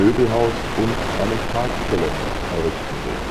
Möbelhaus und einem Parkgelände errichten will